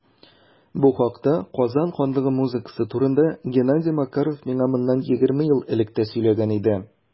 Бу хакта - Казан ханлыгы музыкасы турында - Геннадий Макаров миңа моннан 20 ел элек тә сөйләгән иде.